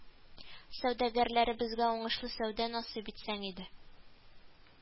Сәүдәгәрләребезгә уңышлы сәүдә насыйп итсәң иде